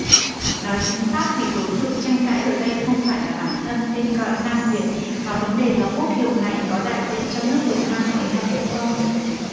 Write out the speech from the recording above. nói chính xác thì đối tượng tranh cãi ở đây không phải là bản thân tên gọi nam việt mà vấn đề là quốc hiệu này có đại diện cho nước việt nam ngày nay hay không